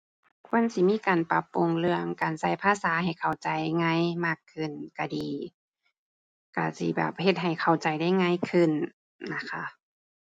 ควรสิมีการปรับปรุงเรื่องการใช้ภาษาให้เข้าใจง่ายมากขึ้นใช้ดี ใช้สิแบบเฮ็ดให้เข้าใจได้ง่ายขึ้นน่ะค่ะ